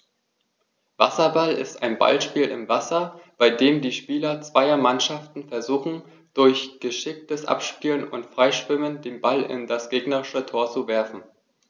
Wasserball ist ein Ballspiel im Wasser, bei dem die Spieler zweier Mannschaften versuchen, durch geschicktes Abspielen und Freischwimmen den Ball in das gegnerische Tor zu werfen.